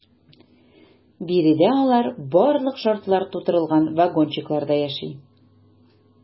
Биредә алар барлык шартлар тудырылган вагончыкларда яши.